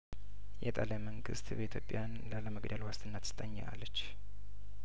የኢጣሊያ መንግስት በኢትዮጵያን ላለመግደል ዋስትናት ስጠኝ አለች